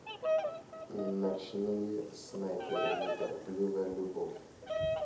ночные снайперы неторопливая любовь